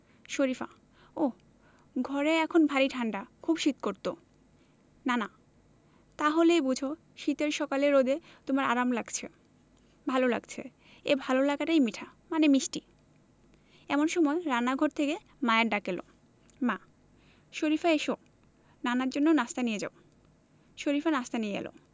শরিফা ওহ ঘরে এখন ভারি ঠাণ্ডা খুব শীত করত নানা তা হলেই বোঝ শীতের সকালে রোদে তোমার আরাম লাগছে ভালো লাগছে এই ভালো লাগাটাই মিঠা মানে মিষ্টি এমন সময় রান্নাঘর থেকে মায়ের ডাক এলো মা শরিফা এসো নানার জন্য নাশতা নিয়ে যাও শরিফা নাশতা নিয়ে এলো